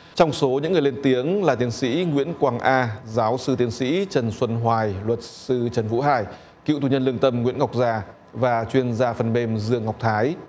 trong số những người lên tiếng là tiến sĩ nguyễn quang a giáo sư tiến sĩ trần xuân hoài luật sư trần vũ hải cựu tù nhân lương tâm nguyễn ngọc già và chuyên gia phần mềm dương ngọc thái